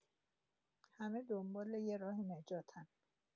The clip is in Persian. همه دنبال یه راه نجاتن.